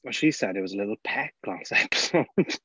Well she said it was a little peck last episode.